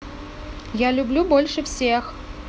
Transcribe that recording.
я люблю больше всех